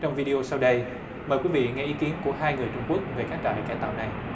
trong vi đi ô sau đây mời quý vị nghe ý kiến của hai người trung quốc về các trại cải tạo này